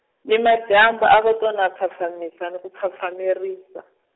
nimadyambu a va to na pfhapfhamesa- ni ku pfhapfhamerisa.